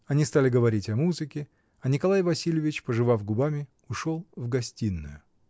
Они стали говорить о музыке, а Николай Васильевич, пожевав губами, ушел в гостиную.